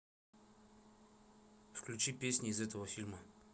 включи песни из этого фильма